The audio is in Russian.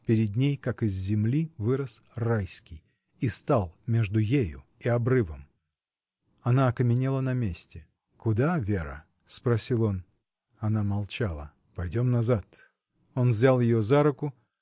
Перед ней, как из земли, вырос Райский и стал между ею и обрывом. Она окаменела на месте. — Куда, Вера? — спросил он. Она молчала. — Пойдем назад! Он взял ее за руку.